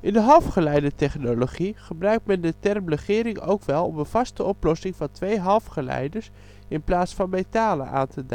de halfgeleidertechnologie gebruikt men de term legering ook wel om een vaste oplossing van twee halfgeleiders (in plaats van metalen) aan te duiden